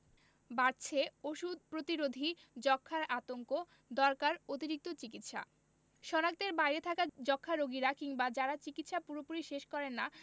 বাড়ছে ওষুধ প্রতিরোধী যক্ষ্মার আতঙ্ক দরকার অতিরিক্ত চিকিৎসা শনাক্তের বাইরে থাকা যক্ষ্মা রোগীরা কিংবা যারা চিকিৎসা পুরোপুরি শেষ করেন না